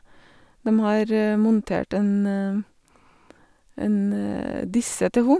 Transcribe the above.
Dem har montert en en disse til ho.